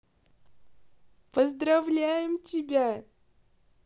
поздравляем тебя